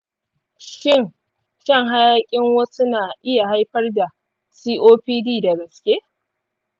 shin shan hayakin wasu na iya haifar da copd da gaske?